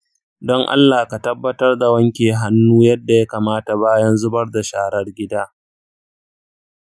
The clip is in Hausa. don allah ka tabbatar da wanke hannu yadda ya kamata bayan zubar da sharar gida.